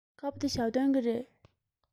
དཀར པོ འདི ཞའོ ཏོན གྱི རེད